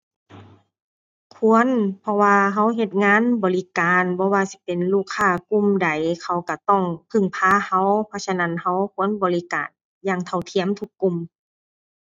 ควร เพราะว่าเราเฮ็ดงานบริการ บ่ว่าสิเป็นลูกค้ากลุ่มใดเขาเราต้องพึ่งพาเรา เพราะฉะนั้นเราควรบริการอย่างเท่าเทียมทุกกลุ่ม